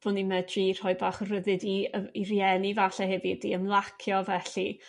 bo' ni medri rhoi bach o rhyddid i yrr i rieni 'falle hefyd i ymlacio felly.